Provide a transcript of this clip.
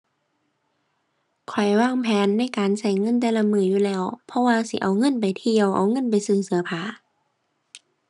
ข้อยวางแผนในการใช้เงินแต่ละมื้ออยู่แล้ว เพราะว่าสิเอาเงินไปเที่ยว เอาเงินไปซื้อเสื้อผ้า